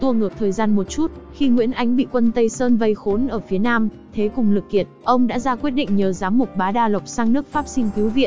tua ngược thời gian chút khi nguyễn ánh bị quân tây sơn vây khốn ở phía nam thế cùng lực kiệt ông đã ra quyết định nhờ giám mục bá đa lộc sang nước pháp xin cứu viện